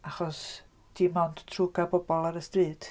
Achos dim ond trwy gael pobl ar y stryd...